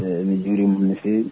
eyyi mi juurima ɗum no feewi